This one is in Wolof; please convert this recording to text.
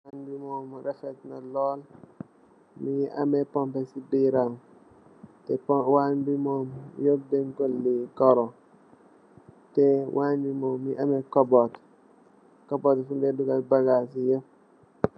Wange we mom raffet na lol teh Wange we mougui ammeh pompeh ci birr ram range we yep dang ko karro the mougui am kobort fonge de dougal bagas yi